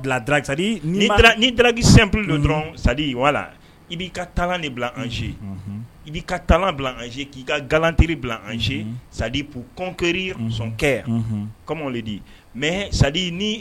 bilaradi nii dakip don dɔrɔn sadi wala la i b'i ka taa de bila ansee i' ka taa bila ansee k ii ka gatri bila anse sadi pkkri son kɛ di mɛ